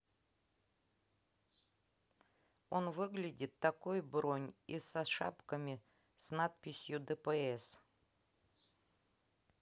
он выглядит такой бронь и со шапками с надписью дпс